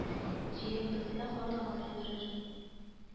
Җиләк бетсә, карлыган өлгерер